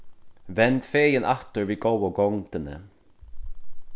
vend fegin aftur við góðu gongdini